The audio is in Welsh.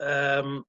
yym